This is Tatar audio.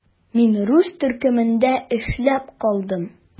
Мин рус төркемендә эшләп калдым.